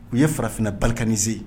U ye farafinna balinaise